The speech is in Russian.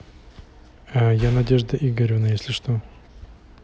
а я надежда игоревна если че